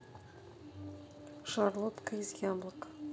шарлотка из яблок